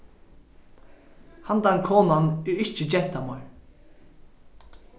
handan konan er ikki genta meir